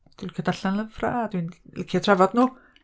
Dwi'n licio darllen lyfrau, a dwi'n licio trafod nhw.